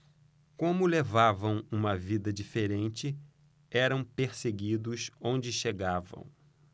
como levavam uma vida diferente eram perseguidos onde chegavam